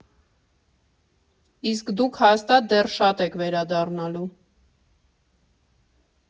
Իսկ դուք հաստատ դեռ շատ եք վերադառնալու։